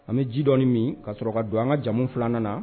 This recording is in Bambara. An bɛ ji dɔ min ka sɔrɔ ka don an ka jamu filanan na